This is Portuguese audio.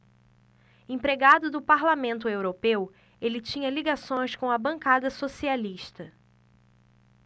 empregado do parlamento europeu ele tinha ligações com a bancada socialista